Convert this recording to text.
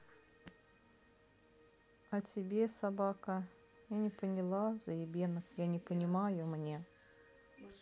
а тебе собака и не поняла за ебенок я не понимаю мне